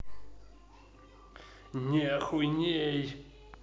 нахуй ней